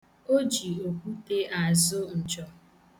O ji okwute azụ nchọ.